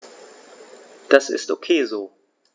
Das ist ok so.